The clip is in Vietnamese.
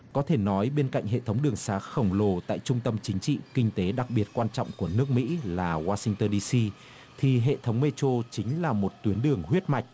có thể nói bên cạnh hệ thống đường sá khổng lồ tại trung tâm chính trị kinh tế đặc biệt quan trọng của nước mỹ là goa sinh tơn đi xi thì hệ thống mê trô chính là một tuyến đường huyết mạch